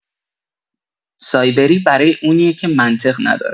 سایبری برای اونیه که منطق نداره